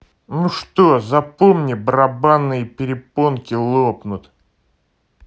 ну что запомни барабанные перепонки лопнут